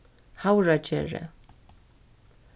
havragerði